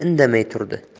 bo'lib indamay turdi